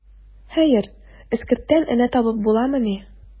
Хәер, эскерттән энә табып буламыни.